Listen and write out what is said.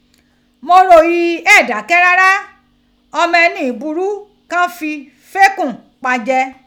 Mo o ro ghi a dakẹ rara, ọmọ ẹni buru kan fi fẹkun pa jẹ.